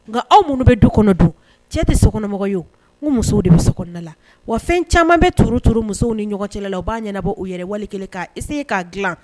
Nka aw minnu bɛ du kɔnɔ dun, cɛ tɛ sokɔnɔmɔgɔ ye wo, n ko musow de bɛ sokɔnɔla la, wa fɛn caman bɛ turu turu musow ni ɲɔgɔn cɛla la u b'a ɲɛnabɔ u yɛrɛ wali kelen k'a essayer k'a dilan